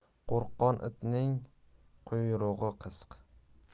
qo'rqoq itning quyrug'i qisiq